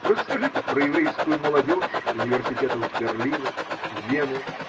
Расскажите про еврейскую молодежь университетов Берлина. Вены.